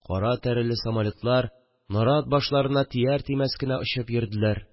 Кара тәреле самолетлар нарат башларына тияр-тимәс кенә очып йөрделәр